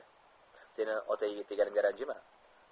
seni ota yigit deganimga ranjima